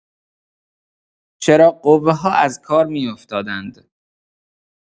چراغ‌قوه‌ها از کار می‌افتادند.